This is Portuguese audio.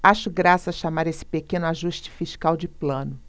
acho graça chamar esse pequeno ajuste fiscal de plano